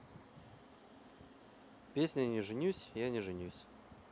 песня не женюсь я не женюсь